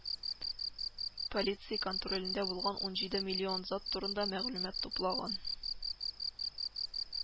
Полиция контролендә булган унҗиде миллион зат турында мәгълүмат туплаган